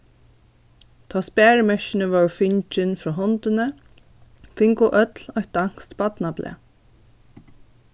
tá sparimerkini vóru fingin frá hondini fingu øll eitt danskt barnablað